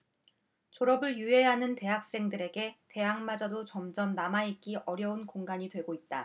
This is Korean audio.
졸업을 유예하는 대학생들에게 대학마저도 점점 남아 있기 어려운 공간이 되고 있다